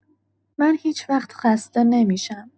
من هیچ‌وقت خسته نمی‌شم.